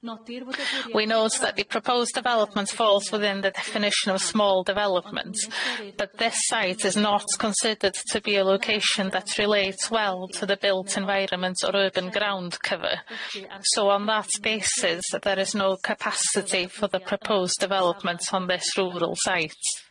Nodi'r- We note that the proposed development falls within the definition of small development, but this site is not considered to be a location that relates well to the built environment or urban ground cover, so on that basis there is no capacity for the proposed development on this rural site.